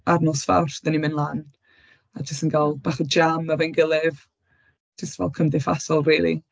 Ar nos Fawrth dan ni'n mynd lan a jyst yn cael bach o jam efo'n gilydd. Jyst fel cymdeithasol rili.